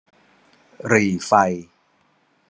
หรี่ไฟ